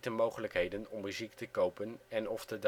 mogelijkheden om muziek te kopen en/of te